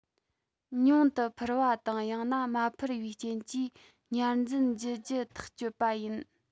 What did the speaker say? ཉུང དུ འཕུར བ དང ཡང ན མ འཕུར བའི རྐྱེན གྱིས ཉར འཛིན བགྱི རྒྱུ ཐག གཅོད པ ཡིན